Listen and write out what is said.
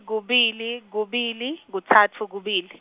kubili, kubili, kutsatfu kubili.